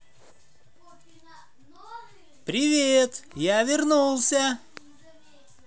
привет я вернулся